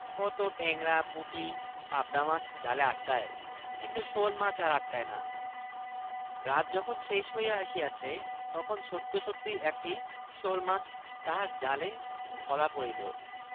কত টেংরা পুঁটি পাবদা মাছ জালে আটকায় কিন্তু শোলমাছ আর আটকায় না রাত যখন শেষ হইয়া আসিয়াছে তখন সত্য সত্যই একটি শোলমাছ তাহার জালে ধরা পড়িল